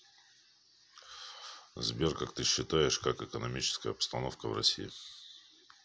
сбер как ты считаешь как экономическая обстановка в россии